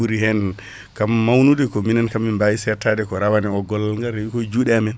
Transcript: ɓuuri hen kam mawnude ko minen kam min baawi settade ko rawane gollal ngal reewi koye juuɗe amen